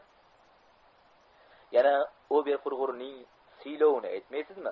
yana ober qurg'urning siylovini aytmaysizmi